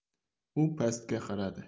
u pastga qaradi